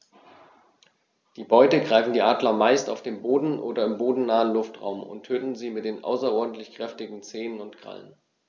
Die Beute greifen die Adler meist auf dem Boden oder im bodennahen Luftraum und töten sie mit den außerordentlich kräftigen Zehen und Krallen.